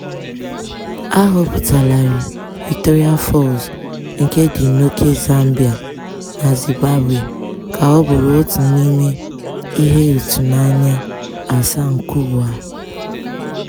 Ahọpụtalarị Victoria Falls nke dị n'ókè Zambia na Zimbabwe ka ọ bụrụ otu n'ime ihe ịtụnanya asaa nke ụwa.